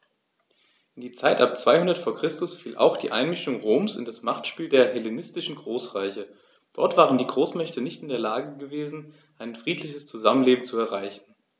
In die Zeit ab 200 v. Chr. fiel auch die Einmischung Roms in das Machtspiel der hellenistischen Großreiche: Dort waren die Großmächte nicht in der Lage gewesen, ein friedliches Zusammenleben zu erreichen.